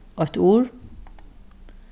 eitt ur